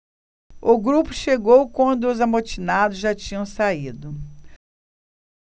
o grupo chegou quando os amotinados já tinham saído